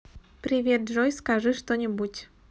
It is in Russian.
привет джой скажи что нибудь